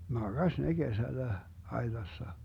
makasi ne kesällä aitassa